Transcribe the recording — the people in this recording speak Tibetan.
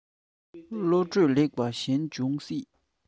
བློ གྲོས ལེགས པ གཞན འབྱུང སྲིད